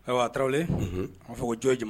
Ayiwa tarawele a b' fɔ ko jɔn jumɛn